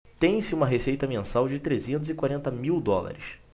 tem-se uma receita mensal de trezentos e quarenta mil dólares